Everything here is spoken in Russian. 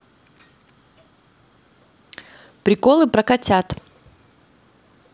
приколы про котят